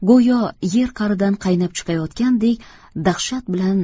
go'yo yer qa'ridan qaynab chiqayotgandek dahshat bilan